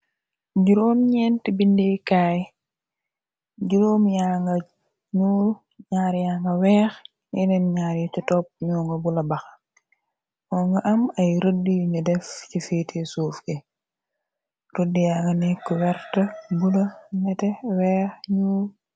Jurom ñeent bindeekaay juróom yaa nga ñu ñaar yaa nga weex neneen ñaar yi ca topp ñoo nga bula baxa o nga am ay rëdd yuñu def ci feete suuf gi rëdd yaa nga nekku wert bula nete weex ñu.